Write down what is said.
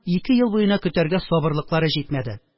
Ике ел буена көтәргә сабырлыклары җитмәде